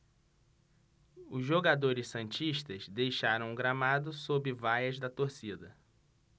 os jogadores santistas deixaram o gramado sob vaias da torcida